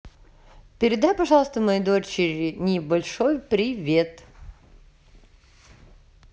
передай пожалуйста моей дочери я не большой привет